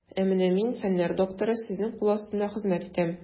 Ә менә мин, фәннәр докторы, сезнең кул астында хезмәт итәм.